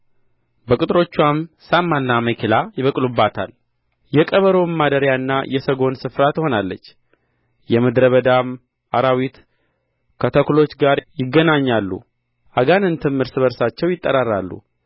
በቅጥሮችዋም ሳማን አሜከላ ይበቅሉባታል የቀበሮም ማደሪያና የሰጐን ስፍራ ትሆናለች የምድረ በዳም አራዊት ከተኵሎች ጋር ይገናኛሉ አጋንንትም እርስ በርሳቸው ይጠራራሉ